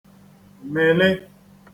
mị̀lị